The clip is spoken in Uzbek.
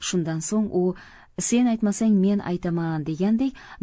shundan so'ng u sen aytmasang men aytaman degandek